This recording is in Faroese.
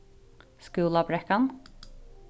skúlabrekkan